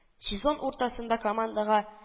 Сезон уртасында командага